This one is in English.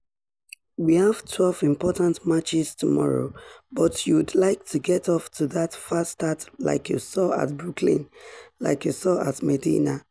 "We have 12 important matches tomorrow, but you'd like to get off to that fast start like you saw at Brookline, like you saw at Medinah.